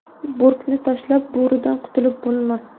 bo'rkni tashlab bo'ridan qutulib bo'lmas